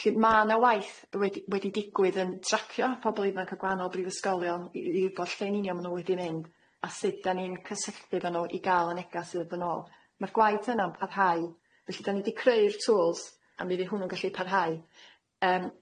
Felly ma' na waith wedi wedi digwydd yn tracio pobol ifanc o gwahanol brifysgolion i i i wbod lle'n union ma' nw wedi mynd a sud dan ni'n cysylltu efo nw i ga'l y negas i ddod yn ôl ma'r gwaith yna'n parhau felly dan ni di creu'r tools a mi fydd hwnnw'n gallu parhau yym.